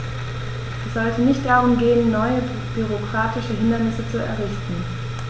Es sollte nicht darum gehen, neue bürokratische Hindernisse zu errichten.